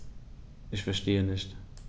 Ich verstehe nicht.